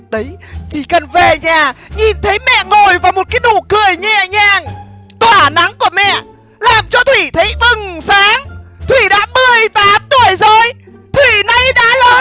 đấy chỉ cần về nhà nhìn thấy mẹ ngồi và một cái nụ cười nhẹ nhàng tỏa nắng của mẹ làm cho thủy thấy bừng sáng thủy đã mười tám tuổi rồi thủy nay đã lớn